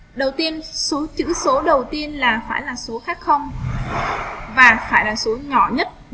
đầu tiên số chữ số đầu tiên là phải là số khác và phải là số nhỏ nhất